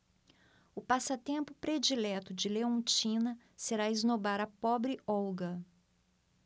o passatempo predileto de leontina será esnobar a pobre olga